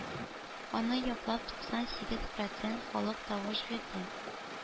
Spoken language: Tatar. Аны яклап туксан сигез процент халык тавыш бирде.